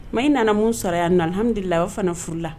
Ma i nana min sɔrɔ yan alhamdulilala o fana furu la!